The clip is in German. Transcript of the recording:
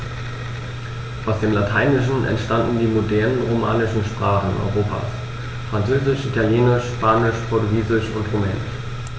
Aus dem Lateinischen entstanden die modernen „romanischen“ Sprachen Europas: Französisch, Italienisch, Spanisch, Portugiesisch und Rumänisch.